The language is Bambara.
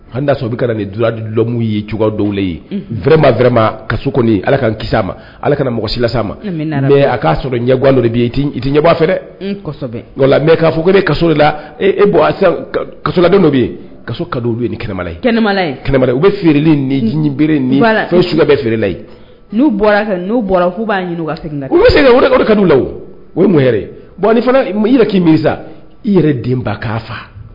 An da sɔrɔ ka nin du dɔmu ye dɔw ye fɛrɛmama ka ala ki ma ala ka mɔgɔsila ma a' sɔrɔ ɲɛ dɔ i ɲɛ fɛ mɛ k'a fɔ ko e kaso de lala dɔ bɛ ka ka nila u bɛ feere bere bɛ feerela b'a ɲini o ka la o k' min sa i yɛrɛ denba' faa